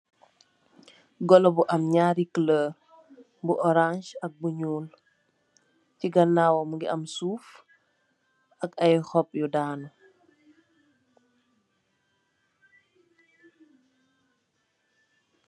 Golo bu am ñaari naari kulóor bu orance ak bu ak bu ñuul, chi ganaawam mungi am suuf ak ay hoop yu danu.